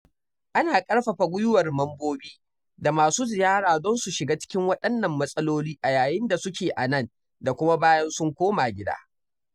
Ana ƙarfafa gwiwar mambobi da masu ziyara don su shiga cikin waɗannan matsaloli a yayin da suke a nan da kuma bayan sun koma gida.